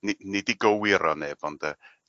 ni- nid igywiro neb ond yy